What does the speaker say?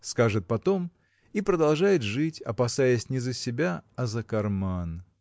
– скажет потом и продолжает жить, опасаясь не за себя, а за карман.